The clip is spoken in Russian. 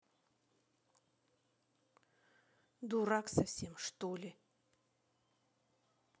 дурак совсем что ли